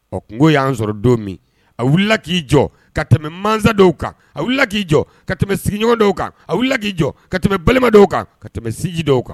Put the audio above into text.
Ɔ tunko y'an sɔrɔ don min a wulila k'i jɔ ka tɛmɛ mansa dɔw kan a wulila k'i jɔ ka tɛmɛ sigiɲɔgɔn dɔw kan a wili k'i jɔ ka tɛmɛ balima dɔw kan ka tɛmɛ siji dɔw kan